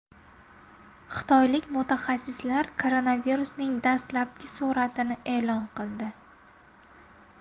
xitoylik mutaxassislar koronavirusning dastlabki suratini e'lon qildi